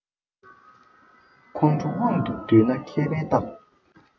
ཁོང ཁྲོ དབང དུ འདུས ན མཁས པའི རྟགས